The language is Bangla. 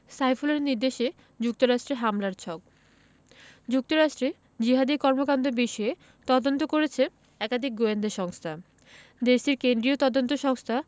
সাইফুলের নির্দেশে যুক্তরাষ্ট্রে হামলার ছক যুক্তরাষ্ট্রে জিহাদি কর্মকাণ্ড বিষয়ে তদন্ত করেছে একাধিক গোয়েন্দা সংস্থা দেশটির কেন্দ্রীয় তদন্ত সংস্থা